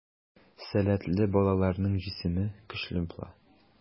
Сәләтле балаларның җисеме көчле була.